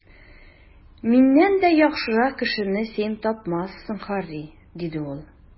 Миннән дә яхшырак кешене син тапмассың, Һарри, - диде ул.